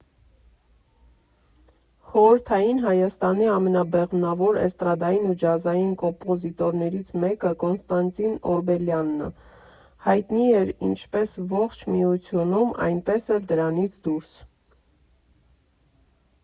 Խորհրդային Հայաստանի ամենաբեղմնավոր էստրադային ու ջազային կոմպոզիտորներից մեկը՝ Կոնստանտին Օրբելյանը, հայտնի էր ինչպես ողջ Միությունում, այնպես էլ դրանից դուրս։